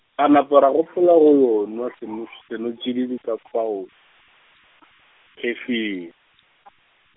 ka napa ra gopola go yo nwa seno-, senotšididi ka fao, khefing.